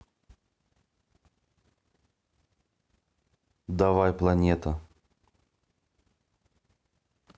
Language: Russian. давай планета